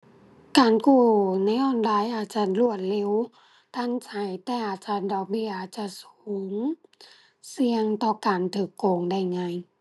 การกู้ในออนไลน์อาจจะรวดเร็ว ทันใจ แต่อาจจะดอกเบี้ยอาจจะสูง เสี่ยงต่อการถูกโกงได้ง่าย